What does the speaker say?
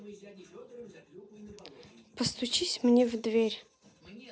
постучись мне дверь